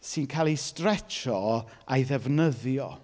sy'n cael ei stretsio a'i ddefnyddio.